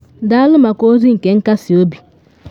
Daalụ maka ozi nke nkasị obi!”